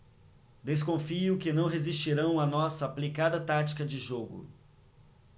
desconfio que não resistirão à nossa aplicada tática de jogo